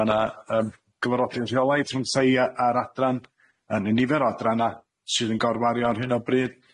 Ma na yym gyfarfodyn rheolaidd rhwngta i a- a'r adran yn y nifer o adrana sydd yn gorwario ar hyn o bryd.